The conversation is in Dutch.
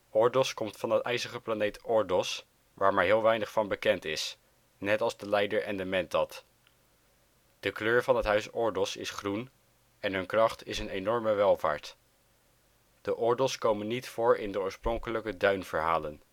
Ordos komt van de ijzige planeet Ordos waar maar heel weinig van bekend is, net als de leider en de mentat. De kleur van het Huis Ordos is groen en hun kracht is een enorme welvaart. De Ordos komen niet voor in de oorspronkelijke Duin-verhalen